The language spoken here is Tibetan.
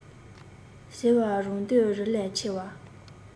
ཟེར བ རང འདོད རི ལས ཆེ བ